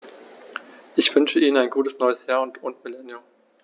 Ich wünsche Ihnen ein gutes neues Jahr und Millennium.